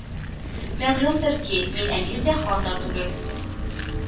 Мәгълүмдер ки, мин әмир дә, хан да түгел